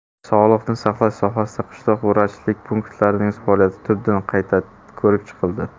sog'liqni saqlash sohasida qishloq vrachlik punktlarining faoliyati tubdan qayta ko'rib chiqildi